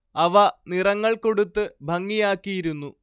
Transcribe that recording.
അവ നിറങ്ങൾ കൊടുത്ത് ഭംഗിയാക്കിയിരുന്നു